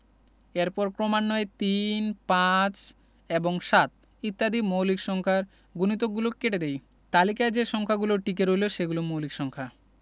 এরপর ক্রমান্বয়ে ৩ ৫ এবং ৭ ইত্যাদি মৌলিক সংখ্যার গুণিতকগুলো কেটে দিই তালিকায় যে সংখ্যাগুলো টিকে রইল সেগুলো মৌলিক সংখ্যা